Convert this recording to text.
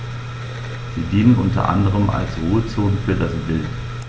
Sie dienen unter anderem als Ruhezonen für das Wild.